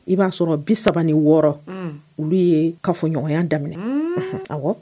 I b'a sɔrɔ bi sabali wɔɔrɔ olu ye ka fɔɲɔgɔnya daminɛ a